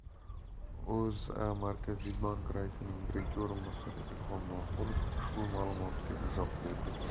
o'zamarkaziy bank raisining birinchi o'rinbosari ilhom norqulov ushbu ma'lumotga izoh berdi